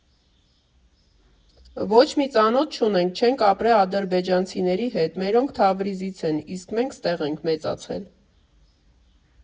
Ոչ մի ծանոթ չունենք, չենք ապրել ադրբեջանցիների հետ, մերոնք Թավրիզից են, իսկ մենք ստեղ ենք մեծացել»։